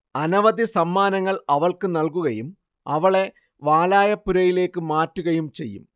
അനവധി സമ്മാനങ്ങൾ അവൾക്ക് നൽകുകയും അവളെ വാലായപ്പുരയിലേക്ക് മാറ്റുകയും ചെയ്യും